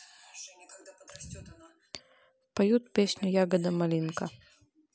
поют песню ягода малинка